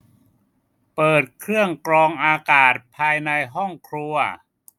เปิดเครื่องกรองอากาศภายในห้องครัว